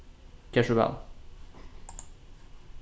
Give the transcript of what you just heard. ger so væl